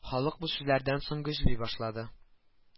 Халык бу сүзләрдән соң гөжли башлады